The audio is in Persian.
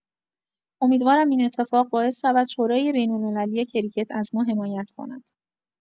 امیدواریم این اتفاق باعث شود شورای بین‌المللی کریکت از ما حمایت کند.